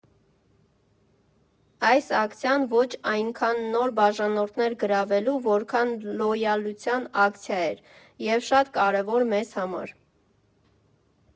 Այս ակցիան ոչ այնքան նոր բաժանորդներ գրավելու, որքան լոյալության ակցիա էր, և շատ կարևոր մեզ համար։